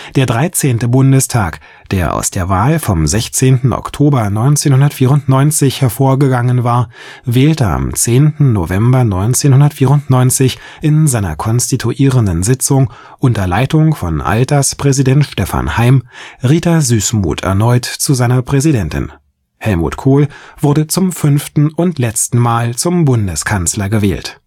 Der dreizehnte Bundestag, der aus der Wahl vom 16. Oktober 1994 hervorgegangen war, wählte am 10. November 1994 in seiner konstituierenden Sitzung unter Leitung von Alterspräsident Stefan Heym, Rita Süssmuth erneut zu seiner Präsidentin. Helmut Kohl wurde zum fünften und letzten Mal zum Bundeskanzler gewählt